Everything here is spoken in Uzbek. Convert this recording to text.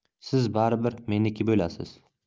siz baribir meniki bo'lasiz